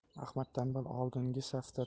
ahmad tanbal oldingi safda